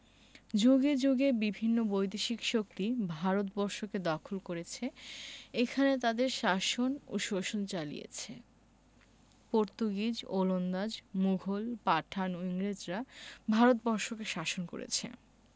যুগে যুগে বিভিন্ন বৈদেশিক শক্তি ভারতবর্ষকে দখল করেছে এখানে তাদের শাসন ও শোষণ চালিছে পর্তুগিজ ওলন্দাজ মুঘল পাঠান ও ইংরেজরা ভারত বর্ষকে শাসন করেছে